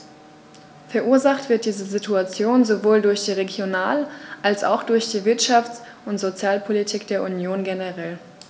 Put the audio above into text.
Verursacht wird diese Situation sowohl durch die Regional- als auch durch die Wirtschafts- und Sozialpolitik der Union generell.